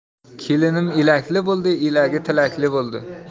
kelinim elakli bo'ldi elagi tilakli bo'ldi